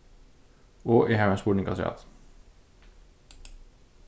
og eg havi ein spurning afturat